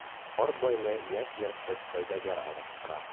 Карт байны яшь ерткыч сәүдәгәр алыштыра.